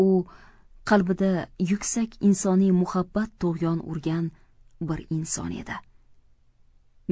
u qalbida yuksak insoniy muhabbat tug'yon urgan bir inson edi